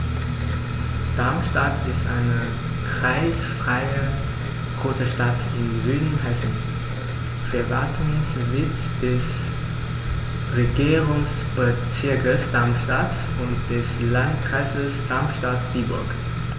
Darmstadt ist eine kreisfreie Großstadt im Süden Hessens, Verwaltungssitz des Regierungsbezirks Darmstadt und des Landkreises Darmstadt-Dieburg.